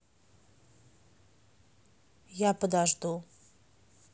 я подожду